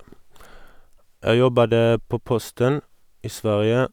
Jeg jobbet på posten i Sverige.